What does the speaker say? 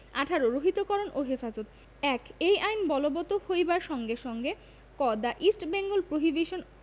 ১৮ রহিতকরণ ও হেফাজতঃ ১ এই আইন বলবৎ হইবার সংগে সংগেঃ ক দ্যা ইস্ট বেঙ্গল প্রহিবিশন